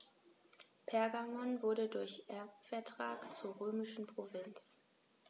Pergamon wurde durch Erbvertrag zur römischen Provinz.